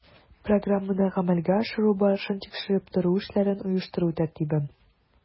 Программаны гамәлгә ашыру барышын тикшереп тору эшләрен оештыру тәртибе